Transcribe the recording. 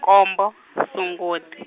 nkombo, Sunguti.